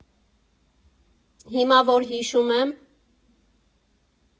Հիմա, որ հիշում եմ…